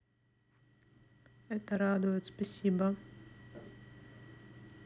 это радует спасибо